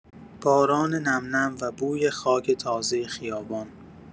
باران نم‌نم و بوی خاک تازه خیابان